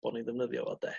bo' ni ddefnyddio fo de?